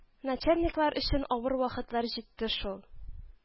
Начальниклар өчен авыр вакытлар җитте шул